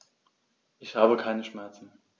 Ich habe keine Schmerzen.